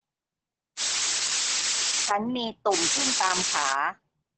ฉันมีตุ่มขึ้นตามขา